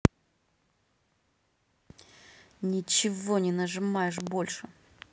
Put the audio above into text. ничего не нажимаешь больше